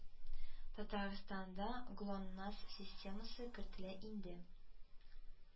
Татарсанда ГЛОНАСС системасы кертелә инде